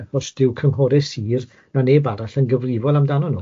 ...achos dyw cynghore sir na neb arall yn gyfrifol amdano nhw.